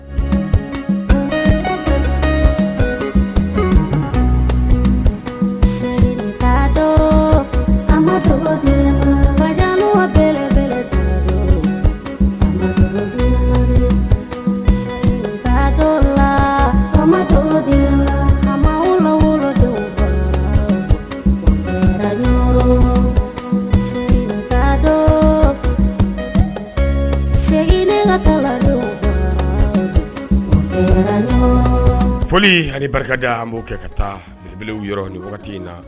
Segin foli ani barika an b'o kɛ ka taaele yɔrɔ ni wagati in na